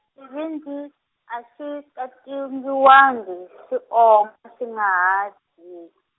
xivindzi, a xi katingiwa ngi xi om- a xi nga ha .